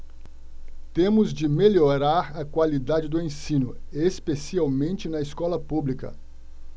temos de melhorar a qualidade do ensino especialmente na escola pública